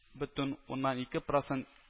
Бөтен уннан ике процент